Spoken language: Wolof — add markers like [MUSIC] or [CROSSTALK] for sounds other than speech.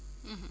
[HESITATION] [HESITATION]